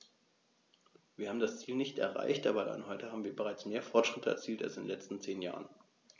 Wir haben das Ziel nicht erreicht, aber allein heute haben wir bereits mehr Fortschritte erzielt als in den letzten zehn Jahren.